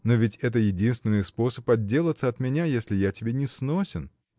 — Но ведь это единственный способ отделаться от меня, если я тебе несносен.